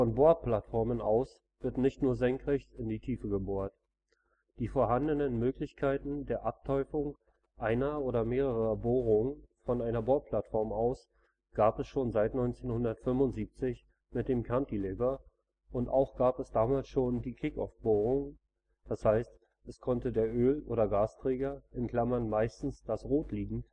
Bohrplattformen aus wird nicht nur senkrecht in die Tiefe gebohrt. Die vorhandenen Möglichkeiten der Abteufung einer oder mehreren Bohrungen von einer Bohrplattform aus gab es schon seit 1975 mit dem Cantilever und auch gab es damals schon die Kickoff-Bohrungen, d.h. es konnte der Öl - oder Gasträger (meistens das Rotliegend